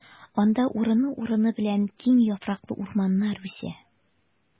Анда урыны-урыны белән киң яфраклы урманнар үсә.